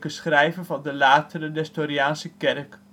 schrijver van de latere Nestoriaanse Kerk